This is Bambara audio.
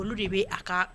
Olu de bɛ a ka